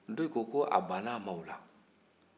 dɔw ko a banna a maw na